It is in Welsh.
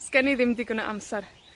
'sgen i ddim digon o amsar.